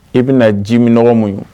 I bɛna na ji minnɔgɔ muɲu